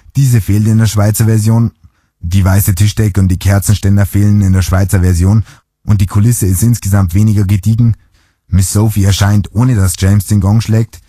diese fehlt in der Schweizer Version. Die weiße Tischdecke und die Kerzenständer fehlen in der Schweizer Version und die Kulisse ist insgesamt weniger gediegen. Miss Sophie erscheint, ohne dass James den Gong anschlägt